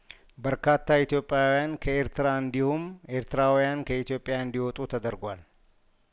በርካታ ኢትዮጲውያን ከኤርትራ እንዲሁም ኤርትራውያን ከኢትዮጵያ እንዲወጡ ተደርጓል